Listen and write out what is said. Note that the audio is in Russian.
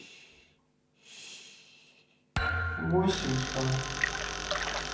восемь ка